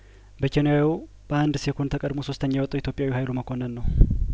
በኬንያዊው በአንድ ሴኮንድ ተቀድሞ ሶስተኛ የወጣው ኢትዮጵያዊው ሀይሉ መኮንን ነው